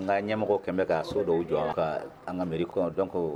N ka ɲɛmɔgɔ kɛmɛ bɛ ka so dɔw jɔ ka an ka mi kɔnɔ dɔn